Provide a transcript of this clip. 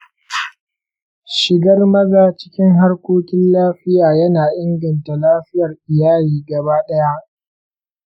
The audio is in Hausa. shigar maza cikin harkokin lafiya yana inganta lafiyar iyali gaba ɗaya.